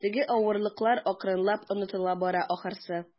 Теге авырлыклар акрынлап онытыла бара, ахрысы.